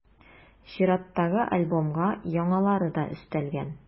Чираттагы альбомга яңалары да өстәлгән.